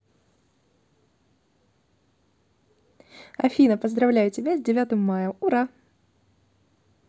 афина поздравляю тебя с девятым маем ура